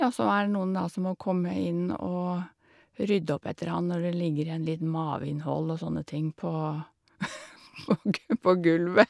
Og så er det noen, da, som må komme inn og rydde opp etter han når det ligger igjen litt maveinnhold og sånne ting, på på gu på gulvet.